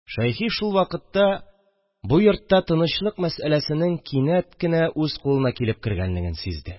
Шәйхи шул вакытта бу йортта тынычлык мәсьәләсенең кинәт кенә үз кулына килеп кергәнлеген сизде